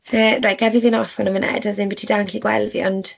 Yy reit gad fi fynd off hwn am funud. As in bydd ti dal yn gallu gweld fi, ond...